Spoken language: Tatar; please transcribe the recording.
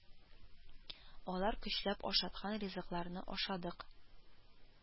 Алар көчләп ашаткан ризыкларны ашадык